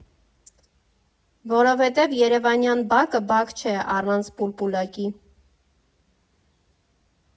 Որովհետև երևանյան բակը բակ չէ առանց պուլպուլակի։